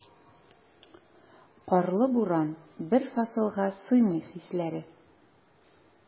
Карлы буран, бер фасылга сыймый хисләре.